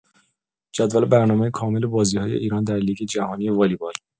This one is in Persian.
جدول برنامه کامل بازی‌های ایران در لیگ جهانی والیبال